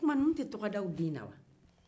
o tuma ninnu te tɔgɔ da u den na wa